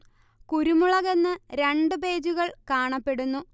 കുരുമുളകെന്ന് രണ്ട് പേജുകൾ കാണപ്പെടുന്നു